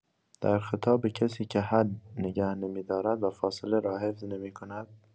در خطاب به کسی که حد نگه نمی‌دارد و فاصله را حفظ نمی‌کند